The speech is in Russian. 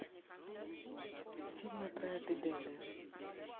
фильмы про эпидемию